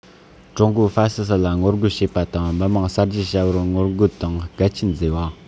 ཀྲུང གོའི ཧྥ ཞི སི ལ ངོ རྒོལ བྱེད པ དང མི དམངས གསར བརྗེའི བྱ བར ངོ རྒོལ དང འགལ རྐྱེན བཟོས པ